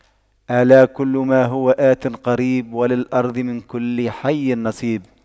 ألا كل ما هو آت قريب وللأرض من كل حي نصيب